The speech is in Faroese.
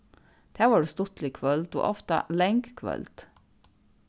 tað vóru stuttlig kvøld og ofta lang kvøld